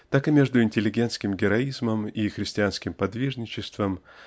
так и между интеллигентским героизмом и христианским подвижничеством